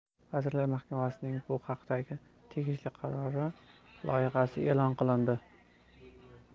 vazirlar mahkamasining bu haqdagi tegishli qarori loyihasi e'lon qilindi